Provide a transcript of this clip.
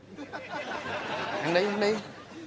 ăn đi ăn đi